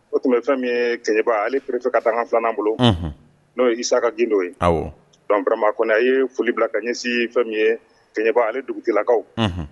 O tun bɛ fɛn min ye Keɲeba ale préfet ka dankan 2 nan bolo; Unhun; N'o ye Isaka Gindo ye. Awɔ; donc vraiment a kɔnni, a ye foli bila ka ɲɛsin fɛn min ye keɲeba ale dugutigilakaw; Unhun.